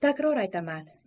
takror aytaman